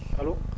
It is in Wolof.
allo